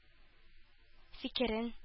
Фикерен